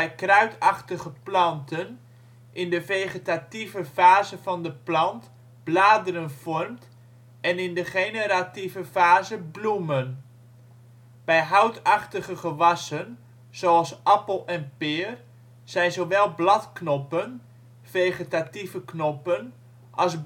kruidachtige planten in de vegetatieve fase van de plant bladeren vormt en in de generatieve fase bloemen. Bij houtachtige gewassen, zoals appel en peer, zijn zowel bladknoppen (vegetatieve knoppen) als